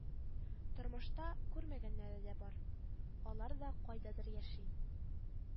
Тормышта күрмәгәннәре дә бар, алар да кайдадыр яши